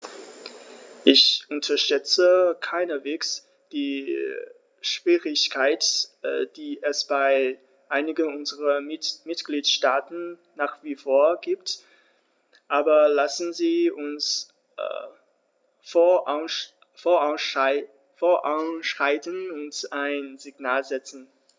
Ich unterschätze keineswegs die Schwierigkeiten, die es bei einigen unserer Mitgliedstaaten nach wie vor gibt, aber lassen Sie uns voranschreiten und ein Signal setzen.